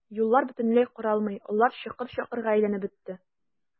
Юллар бөтенләй каралмый, алар чокыр-чакырга әйләнеп бетте.